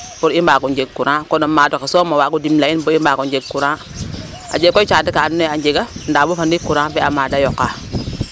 Pour i mbaag o njeg courant kon o maad oxe soom waagu dimle a in bo i mbaago njeg courant a jega koy caate ka andoona yee a jega ma bo fa ndiik courant fe a maadaa yoqaa